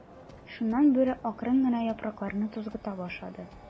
Шуннан Бүре акрын гына яфракларны тузгыта башлады.